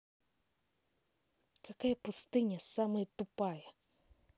какая пустыня самая тупая